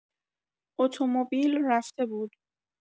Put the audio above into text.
اتومبیل رفته بود.